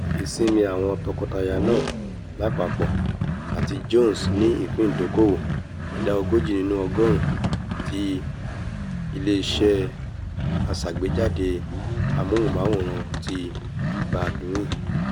Ìsinmi àwọn tọkọtaya náà lápapọ̀ àti Jones ní ìpín ìdóòkòwò ìdá ogójì nínú ọgọ́ọ̀rún ti ilé iṣẹ́ aṣàgbéjáde amóhὺmáwòràán ti Baldwin.